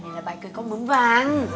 là bài kìa con bướm vàng